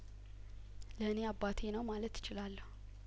ለእኔ አባቴ ነው ማለት እችላለሁ